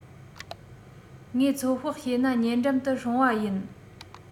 ངས ཚོད དཔག བྱས ན ཉེ འགྲམ དུ སྲུང བ ཡིན